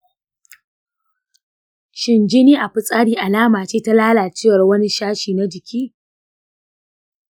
shin jini a fitsari alama ce ta lalacewar wani sashi na jiki?